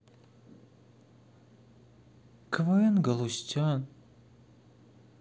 квн галустян